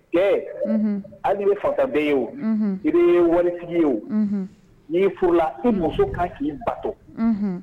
Ɛɛ hali bɛ fata bɛɛ ye o i ye waritigi ye o n'i furula i muso ka k'i bato